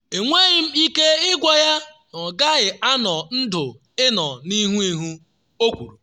“Enweghị m ike ịgwa ya na ọ gaghị anọ ndụ ịnọ n’ihu ihu’.” o kwuru.